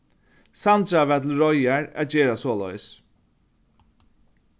sandra var til reiðar at gera soleiðis